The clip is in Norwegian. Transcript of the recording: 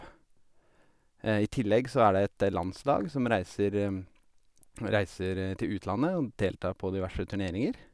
I tillegg så er det et landslag som reiser reiser til utlandet og deltar på diverse turneringer.